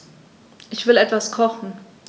Ich will etwas kochen.